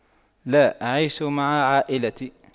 لا أعيش مع عائلتي